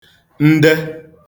nde